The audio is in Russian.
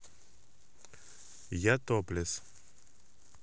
я топлес